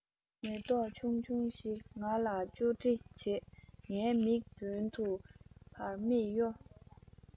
མེ ཏོག ཆུང ཆུང ཞིག ང ལ ཅོ འདྲི བྱེད ངའི མིག མདུན དུ བར མེད གཡོ